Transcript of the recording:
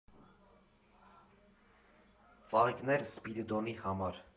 Ծաղիկներ Սպիրիդոնի համար։